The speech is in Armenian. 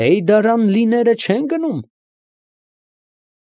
Հեյդարանլիները չե՞ն գնում։ ֊